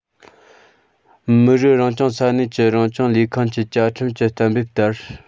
མི རིགས རང སྐྱོང ས གནས ཀྱི རང སྐྱོང ལས ཁུངས ཀྱིས བཅའ ཁྲིམས ཀྱི གཏན འབེབས ལྟར